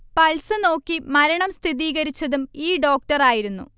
pulse നോക്കി മരണം സ്ഥീരീകരിച്ചതും ഈ ഡോക്ടർ ആയിരുന്നു